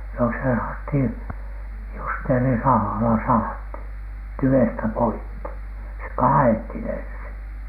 no se sahattiin justeerisahalla sahattiin tyvestä poikki se kaadettiin ensin